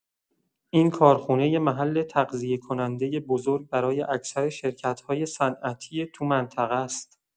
این کارخونه یه محل تغذیه‌کننده بزرگ برای اکثر شرکت‌های صنعتی تو منطقه‌ست.